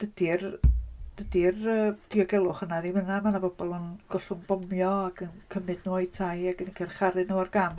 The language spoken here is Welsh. Dydy'r, dydy'r yym diogelwch yna ddim yna. Mae 'na bobl yn gollwng bomio ac yn cymryd nhw o'i tai ac yn carcharu nhw ar gam.